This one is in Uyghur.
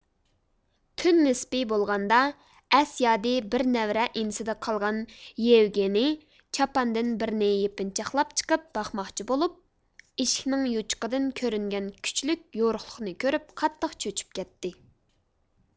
تۈن نىسپبى بولغاندا ئەس يادى بىرنەۋرە ئىنىسىدا قالغان يېۋگېنې چاپاندىن بىرنى يېپىنچاقلاپ چىقىپ باقماقچى بولۇپ ئىشىكنىڭ يوچۇقىدىن كۆرۈنگەن كۈچلۈك يورۇقلۇقنى كۆرۈپ قاتتىق چۆچۈپ كەتتى